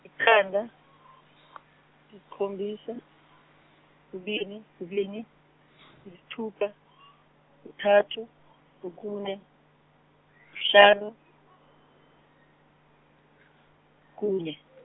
iqanda, sikhombisa, kubini, kubini, isithupha, kuthathu, okune, hlanu, kunye.